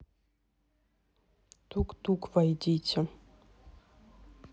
тук тук войдите